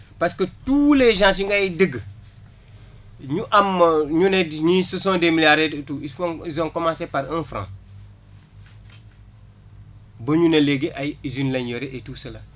parce que tous les gens yu ngay dégg ñu am ñu ne ñii ce sont des milliardaires et tout ils font ils ont commencé par un franc ba ñu ne léegi ay usines lañ yore et tout celà